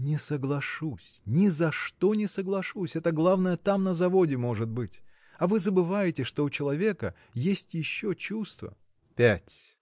– Не соглашусь, ни за что не соглашусь это главное там на заводе может быть а вы забываете что у человека есть еще чувство. – Пять!